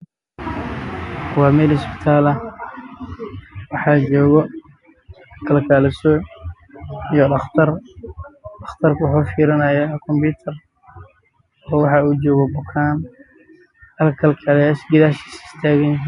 Waa isbitaalka dadka lagu qalo dhaqtar ayaa jooga